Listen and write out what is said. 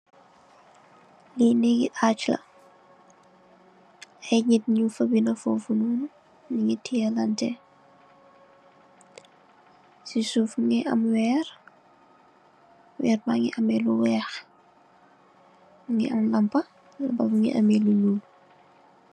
Lii nehggi arch la, aiiy nitt njung fa binda fofu nonu, njungy tiyeh lanteh, cii suff mungy am wehrre, wehrre bangy ameh lu wekh, mungy am lampah, lampah bii mungy ameh lu njull.